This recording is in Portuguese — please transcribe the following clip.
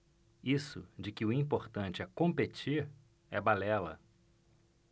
isso de que o importante é competir é balela